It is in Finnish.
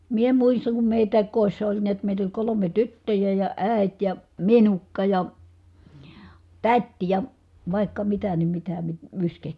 minä muistan kun meitäkin kodissa oli näet meitä oli kolme tyttöä ja äiti ja minukka ja täti ja vaikka mitä niin mitä --